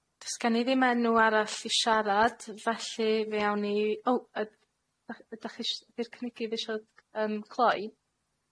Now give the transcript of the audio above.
Does gen i ddim enw arall i siarad, felly fe awn ni i... Oh yy dach- ydach chi isi- 'di'r cynigydd isio c- yym cloi?